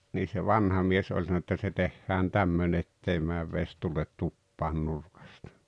niin se vanha mies oli sanonut että se tehdään tämmöinen että ei mene vesi tule tupaan nurkasta